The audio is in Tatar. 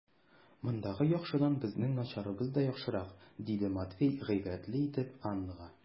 Мондагы яхшыдан безнең начарыбыз да яхшырак, - диде Матвей гыйбрәтле генә итеп Аннага.